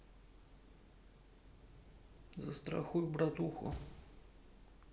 застрахуй братуху